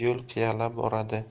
yo'l qiyalab boradi